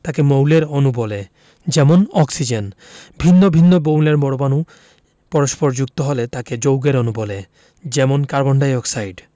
তাকে মৌলের অণু বলে যেমন অক্সিজেন ভিন্ন ভিন্ন মৌলের পরমাণু পরস্পর যুক্ত হলে তাকে যৌগের অণু বলে যেমন কার্বন ডাই অক্সাইড